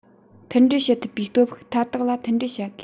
མཐུན སྒྲིལ བྱེད ཐུབ པའི སྟོབས ཤུགས མཐའ དག ལ མཐུན སྒྲིལ བྱ དགོས